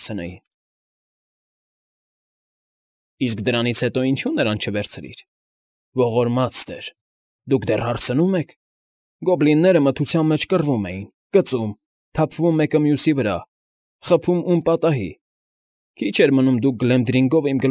Հասցնեին… ֊ Իսկ դրանից հետո ինչո՞ւ նրան չվերցրիր… ֊ Ողորմած տեր… Դուք դեռ հարցնո՞ւմ եք… Գոբլինները մթության մեջ կռվում էին, կծում, թափվում մեկը մյուսի վրա, խփում՝ ում պատահի… Քիչ էր մնում դուք Գլեմդրինգով իմ։